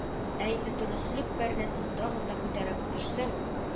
Ә инде дөреслек пәрдәсен тагын да күтәрәп төшсәң